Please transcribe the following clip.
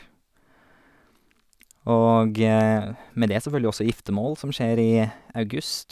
Og med det så følger jo også giftemål som skjer i august.